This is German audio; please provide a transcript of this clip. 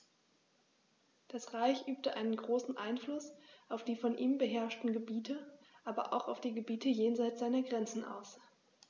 Das Reich übte einen großen Einfluss auf die von ihm beherrschten Gebiete, aber auch auf die Gebiete jenseits seiner Grenzen aus.